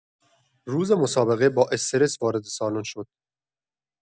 روز مسابقه، با استرس وارد سالن شد.